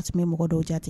mɔgɔ dɔw jaati